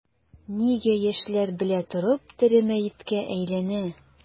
Нигә яшьләр белә торып тере мәеткә әйләнә?